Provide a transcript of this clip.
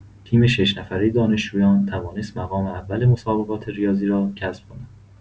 تیم شش‌نفره دانشجویان توانست مقام اول مسابقات ریاضی را کسب کند.